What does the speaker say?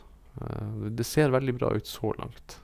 Det ser veldig bra ut så langt.